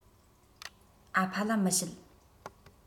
ཨ ཕ ལ མི བཤད